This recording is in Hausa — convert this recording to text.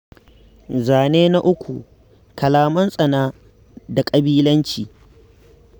Zane na 3: Kalaman tsana da ƙabilanci